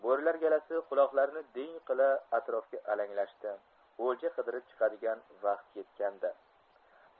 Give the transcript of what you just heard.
bo'rilar galasi quloqlarini ding qila atrofga alanglashdi olja qidirib chiqadigan vaqt yetgandi